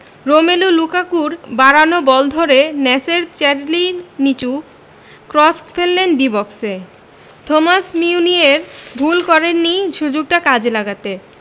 Romelu লুকাকুর বাড়ানো ball ধরে ন্যাসের চ্যাডলি নিচু ক্রস ফেলেন ডি বক্সে থমাস মিউনিয়ের ভুল করেননি সুযোগটা কাজে লাগাতে